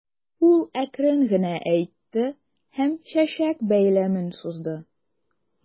Ул әкрен генә әйтте һәм чәчәк бәйләмен сузды.